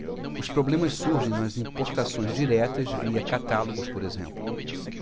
os problemas surgem nas importações diretas via catálogos por exemplo